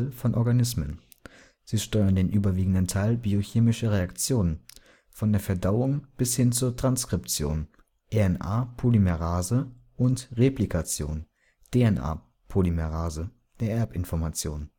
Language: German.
von Organismen: Sie steuern den überwiegenden Teil biochemischer Reaktionen – von der Verdauung bis hin zur Transkription (RNA-Polymerase) und Replikation (DNA-Polymerase) der Erbinformationen